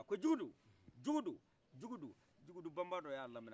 a ko jugudu jugudu jugudu jugudu banbadɔ y'a laminɛ